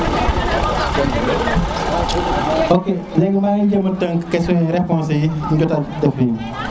ok leegi mangi jema tenk question reponse yi ñu jota am fi